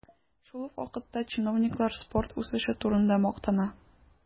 Шул ук вакытта чиновниклар спорт үсеше турында мактана.